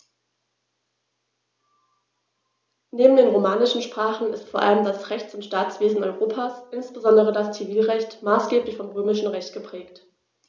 Neben den romanischen Sprachen ist vor allem das Rechts- und Staatswesen Europas, insbesondere das Zivilrecht, maßgeblich vom Römischen Recht geprägt.